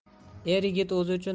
er yigit o'zi uchun